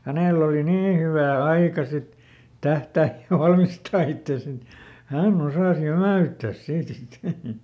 hänellä oli niin hyvä aika sitten tähdätä ja valmistaa itsensä että hän osasi jämäyttää siitä sitten